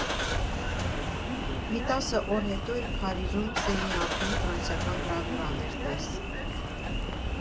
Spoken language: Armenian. Մի տասը օր հետո էլ Փարիզում Սենի ափին ֆրանսիական գրավյուրաներ տես։